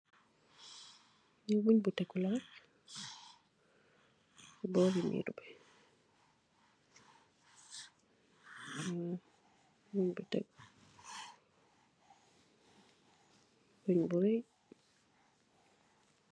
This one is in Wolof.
Li woog buuh teeku laah si boreeh mirr bi , li woog buuh teeku , woog bu reei .